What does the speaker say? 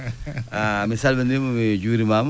mi salminiima mi juurimaama